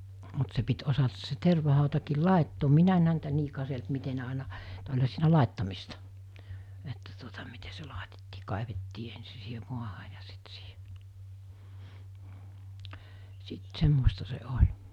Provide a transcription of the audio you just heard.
mutta se piti osata se tervahautakin laittaa minä en häntä niin katsellut miten ne aina - olihan siinä laittamista että tuota miten se laitettiin kaivettiin ensin siihen maahan ja sitten siihen sitten semmoista se oli